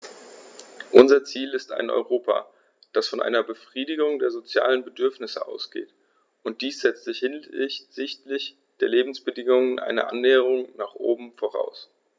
Unser Ziel ist ein Europa, das von einer Befriedigung der sozialen Bedürfnisse ausgeht, und dies setzt hinsichtlich der Lebensbedingungen eine Annäherung nach oben voraus.